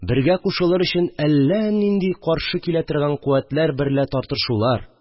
Бергә кушылыр өчен, әллә нинди каршы килә торган куәтләр берлә тартышулар